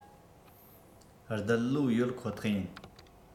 རྡུལ གློ ཡོད ཁོ ཐག ཡིན